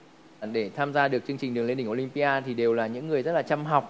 để tham gia được chương trình đường lên đỉnh ô lim bi a thì đều là những người rất chăm học